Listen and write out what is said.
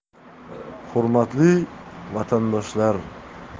hurmatli vatandoshlar